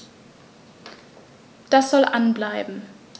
Das soll an bleiben.